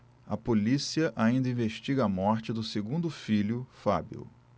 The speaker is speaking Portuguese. a polícia ainda investiga a morte do segundo filho fábio